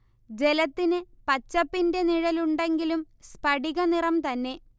ജലത്തിന് പച്ചപ്പിന്റെ നിഴലുണ്ടെങ്കിലും സ്ഫടിക നിറം തന്നെ